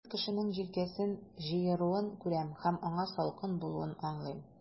Мин кешенең җилкәсен җыеруын күрәм, һәм аңа салкын булуын аңлыйм.